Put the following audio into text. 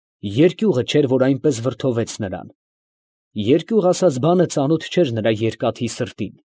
Երկյուղը չէր, որ այնպես վրդովեց նրան, երկյուղ ասած բանը ծանոթ չէր նրա երկաթի սրտին։